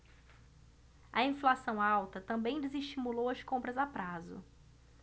a inflação alta também desestimulou as compras a prazo